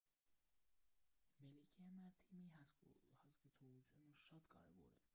Մելիքի համար թիմի հասկացողությունը շատ կարևոր է։